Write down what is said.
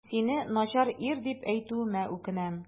Сине начар ир дип әйтүемә үкенәм.